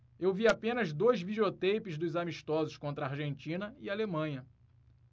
eu vi apenas dois videoteipes dos amistosos contra argentina e alemanha